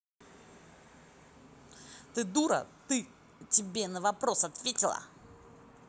ты дура ты тебе на вопрос ответила